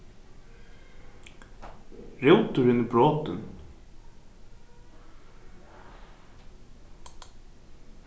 rúturin er brotin